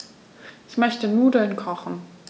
Ich möchte Nudeln kochen.